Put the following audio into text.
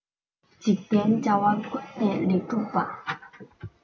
འཇིག རྟེན བྱ བ ཀུན ནས ལེགས བསྒྲུབ པ